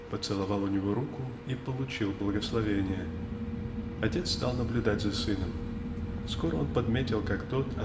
поцеловал у него руку и получил благословение. Отец стал наблюдать за сыном. Скоро он подметил как тот